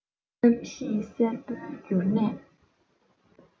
ནམ ཞིག སེར པོར གྱུར ནས